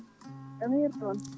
jaam hiiri toon